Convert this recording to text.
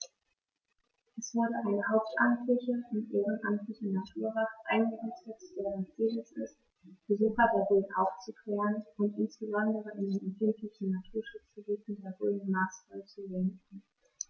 Es wurde eine hauptamtliche und ehrenamtliche Naturwacht eingerichtet, deren Ziel es ist, Besucher der Rhön aufzuklären und insbesondere in den empfindlichen Naturschutzgebieten der Rhön maßvoll zu lenken.